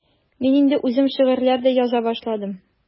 Мин инде үзем шигырьләр дә яза башладым.